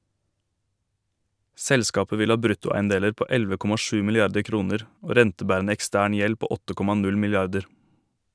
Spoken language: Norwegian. Selskapet vil ha bruttoeiendeler på 11,7 milliarder kroner og rentebærende ekstern gjeld på 8,0 milliarder.